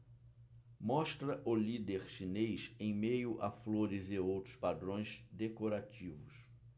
mostra o líder chinês em meio a flores e outros padrões decorativos